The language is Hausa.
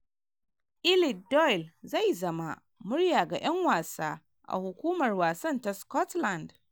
Eilidh Doyle zai zama "murya ga 'yan wasa" a hukumar wasan ta Scotland